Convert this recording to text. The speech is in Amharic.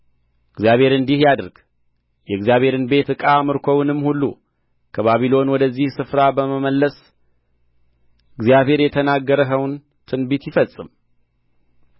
እግዚአብሔር እንዲህ ያድርግ የእግዚአብሔርን ቤት ዕቃ ምርኮውንም ሁሉ ከባቢሎን ወደዚህ ስፍራ በመመለስ እግዚአብሔር የተናገርኸውን ትንቢት ይፈጽም